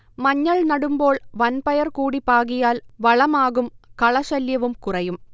മഞ്ഞൾ നടുമ്പോൾ വൻപയർ കൂടി പാകിയാൽ വളമാകും കളശല്യവും കുറയും